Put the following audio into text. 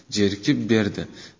jerkib berdi